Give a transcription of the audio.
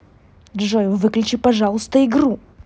джой выключи пожалуйста игру